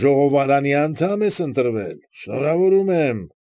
Ժողովարանի անդամ ես ընտրվել։ Շնորհավորում եմ։